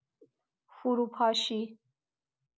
فروپاشی.